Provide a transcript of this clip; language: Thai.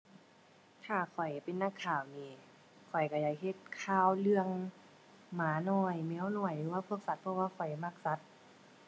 ถ้าข้อยเป็นนักข่าวนี่ ข้อยก็อยากเฮ็ดข่าวเรื่อง หมาน้อยแมวน้อยหรือว่าพวกสัตว์ เพราะว่าข้อยมักสัตว์